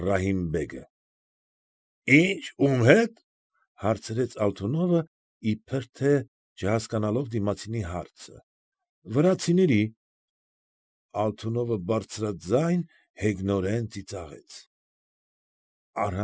Ռահիմ֊բեգը։ ֊ Ի՞նչ, ո՞ւմ հետ,֊ հարցրեց Ալթունովը, իբր թե չհասկանալով դիմացինի հարցը։ ֊ Վրացիների… Ալթունովը բարձրաձայն հեգնորեն ծիծաղեց։ ֊